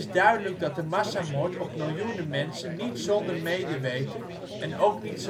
duidelijk dat de massamoord op miljoenen mensen niet zonder medeweten, en ook niet